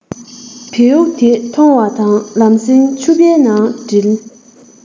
བེའུ དེ མཐོང བ དང ལམ སེང ཕྱུ པའི ནང སྒྲིལ